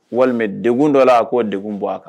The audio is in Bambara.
Walima degkun dɔ a k'o deg bɔ a kan